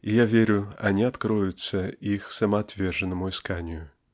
и -- я верю -- они откроются их самоотверженному исканию .